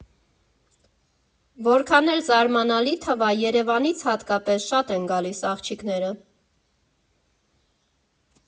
Որքան էլ զարմանալի թվա, Երևանից հատկապես շատ են գալիս աղջիկները։